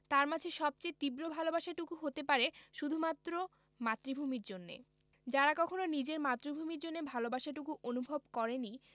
তার মাঝে সবচেয়ে তীব্র ভালোবাসাটুকু হতে পারে শুধুমাত্র মাতৃভূমির জন্যে যারা কখনো নিজের মাতৃভূমির জন্যে ভালোবাসাটুকু অনুভব করেনি